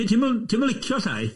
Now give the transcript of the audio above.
Ti'm yn ti'm yn ti'm yn licio llaeth?